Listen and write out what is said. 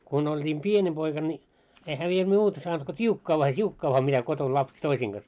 kun oltiin pieni poika niin enhän minä muuta saanut kuin tiukkaa vain tiukkaa vain mitä kotona lapset toisten kanssa